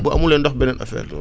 boo amulee ndox beneen affaire la